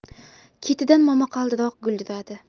ketidan momaqaldiroq gulduradi